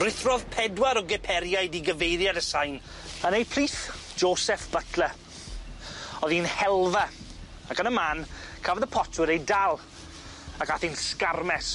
Ruthrodd pedwar o giperiaid i gyfeiriad y sain yn eu plith Joseph Butler. O'dd hi'n helfa, ac yn y man cafodd y potsiwyr eu dal, ac ath hi'n sgarmes.